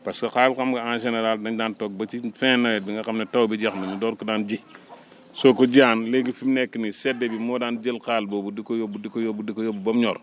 parce que xaal xam nga en général dañ daal toog ba ci fin nawet bi nga xam ne taw bi jeex na mu door ko daan ji soo ko jiyaan léegi fi mu nekk nii sedd bi moo daan jël xaal boobu di ko yóbbu di ko yóbbu di ko yóbbu ba mu ñor